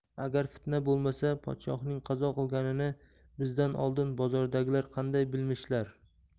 agar fitna bo'lmasa podshohning qazo qilganini bizdan oldin bo zordagilar qanday bilmishlar